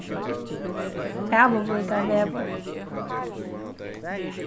æðuvíkarvegur